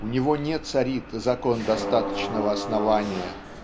у него не царит закон достаточного основания.